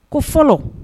Ko fɔlɔ